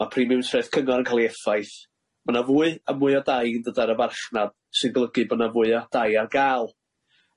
ma' prif mewn sraeth Cyngor yn ca'l ei effaith ma' na fwy a mwy o dai yn dod ar y farchnad sy'n golygu bo' na fwy o dai ar ga'l,